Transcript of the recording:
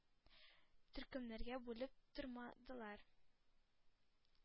Төркемнәргә бүлеп тормадылар